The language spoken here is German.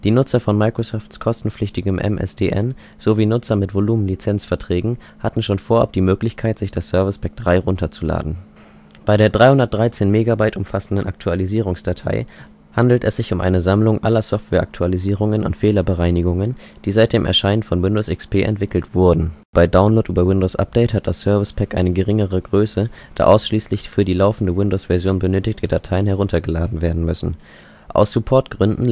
Nutzer von Microsofts kostenpflichtigem MSDN sowie Nutzer mit Volumenlizenzverträgen hatten schon vorab die Möglichkeit, sich das Service Pack 3 herunterzuladen. Bei der 313 MB umfassenden Aktualisierungsdatei handelt es sich um eine Sammlung aller Software-Aktualisierungen und Fehlerbereinigungen, die seit dem Erscheinen von Windows XP entwickelt wurde (Bei Download über Windows Update hat das Service Pack eine geringere Größe, da ausschließlich für die laufende Windows-Version benötigte Dateien heruntergeladen werden müssen.) Aus Support-Gründen